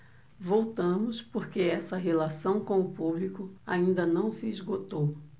voltamos porque essa relação com o público ainda não se esgotou